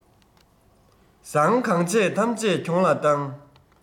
བཟང གང བྱས ཐམས ཅད གྱོང ལ བཏང